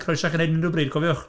Croeso chi wneud unrhyw bryd, cofiwch.